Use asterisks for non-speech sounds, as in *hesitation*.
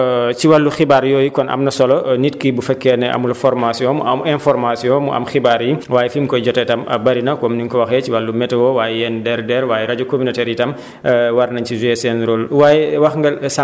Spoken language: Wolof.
jërëjëf *hesitation* si wàllu xibaar yooyu kon am na solo nit ki bu fekkee ne amul formation am am information mu am xibaar yi waaye fi mu koy jotee tam bëri na comme ni nga ko waxee ci wàllu météo waaye yenn DRDR waaye rajo communautaire yi tam *breath* *hesitation* war nañ ci jouer seen rôle